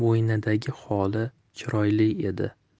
bo'ynidagi xoli chiroyli edi